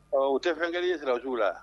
Ɔ u te fɛn kɛlen ye sirasuw la